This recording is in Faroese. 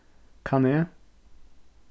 kann eg